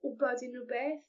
wbod unrywbeth